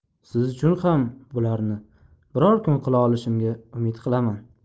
siz uchun ham bularni biror kun qila olishimga umid qilaman